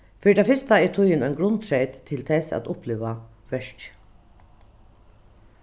fyri tað fyrsta er tíðin ein grundtreyt til tess at uppliva verkið